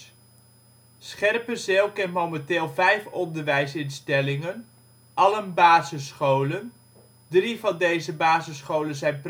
Scherpenzeel kent momenteel vijf onderwijsinstellingen, allen basisscholen. Drie van deze basisscholen zijn